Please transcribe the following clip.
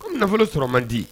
Comme nafolo sɔrɔ mandi